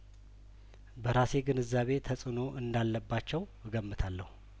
በራሴ ግንዛቤ ተጽእኖ እንዳለባቸው እገምታለሁ